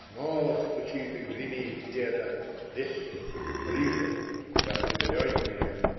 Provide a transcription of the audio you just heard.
Снова стучит и гремит где-то резче, ближе и определеннее.